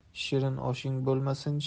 shirin oshing bo'lmasin